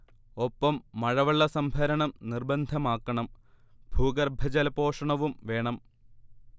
ഒപ്പം മഴവെള്ള സംഭരണം നിർബന്ധമാക്കണം ഭൂഗർഭജലപോഷണവും വേണം